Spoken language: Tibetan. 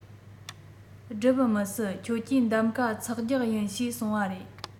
སྒྲུབ མི སྲིད ཁྱོད ཀྱིས གདམ ག འཚག རྒྱག ཡིན ཞེས གསུངས པ རེད